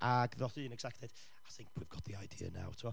ac ddoth un exec a deud, I think we've got the idea now tibod